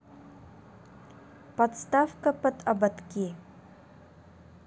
подставка под ободки